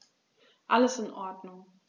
Alles in Ordnung.